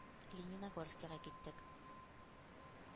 Лениногорскига киттек.